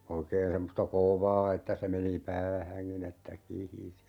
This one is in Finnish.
oikein semmoista kovaa että se meni päähänkin että kihisi